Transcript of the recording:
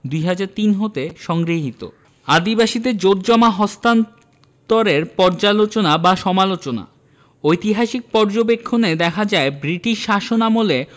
২০০৩ হতে সংগৃহীত আদিবাসীদের জোতজমা হন্তান্তরের পর্যালোচনা বা সমালোচনা ঐতিহাসিক পর্যবেক্ষনে দেখা যায় বৃটিশ শাসনামলে